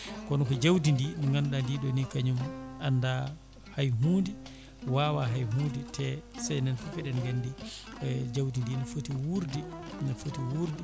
kono jawdi ndi ndi ganduɗa ndi ɗo ni kañum anda hay hunde wawa hay hunde te so enen foof eɗen gandi jawdi ndi ne footi wurde ne foofti wurde